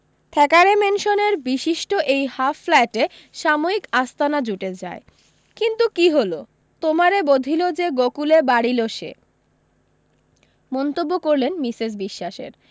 Thackeray ম্যানসনের বিশিষ্ট এই হাফ ফ্ল্যাটে সাময়িক আস্তানা জুটে যায় কিন্তু কী হলো তোমারে বধিল যে গোকুলে বাড়িল সে মন্তব্য করলেন মিসেস বিশ্বাসের